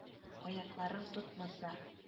Аякларың тотмаса